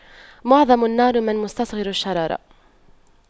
معظم النار من مستصغر الشرر